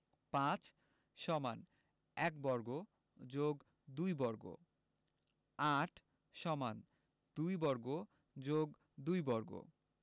৫ = ১ বর্গ + ২ বর্গ ৮ = ২ বর্গ + ২ বর্গ